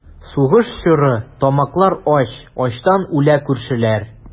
Сугыш чоры, тамаклар ач, Ачтан үлә күршеләр.